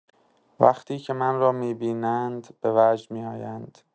وقتی که من را می‌بینند به وجد می‌آیند.